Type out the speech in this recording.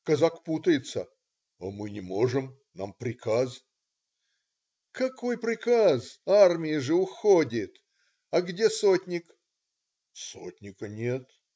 Казак путается: "Мы не можем, нам приказ". - "Какой приказ? Армия же уходит. А где сотник?"-"Сотника нет".